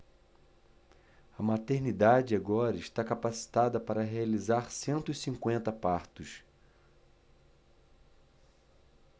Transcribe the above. a maternidade agora está capacitada para realizar cento e cinquenta partos